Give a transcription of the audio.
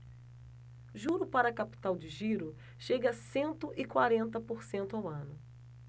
juro para capital de giro chega a cento e quarenta por cento ao ano